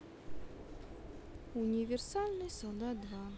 универсальный солдат два